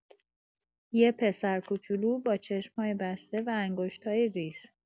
یه پسر کوچولو، با چشم‌های بسته و انگشت‌های ریز.